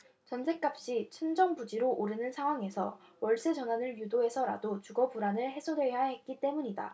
전셋값이 천정부지로 오르는 상황에서 월세 전환을 유도해서라도 주거 불안을 해소해야 하기 때문이다